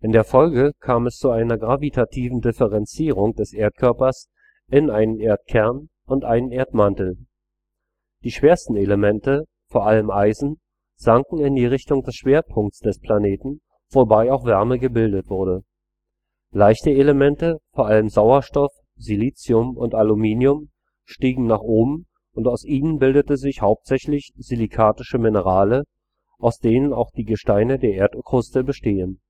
der Folge kam es zu einer gravitativen Differenzierung des Erdkörpers in einen Erdkern und einen Erdmantel. Die schwersten Elemente, vor allem Eisen, sanken in die Richtung des Schwerpunkts des Planeten, wobei auch Wärme gebildet wurde. Leichte Elemente, vor allem Sauerstoff, Silizium und Aluminium, stiegen nach oben und aus ihnen bildeten sich hauptsächlich silikatische Minerale, aus denen auch die Gesteine der Erdkruste bestehen